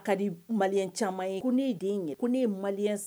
Ye